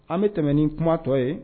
An be tɛmɛ ni kuma tɔ ye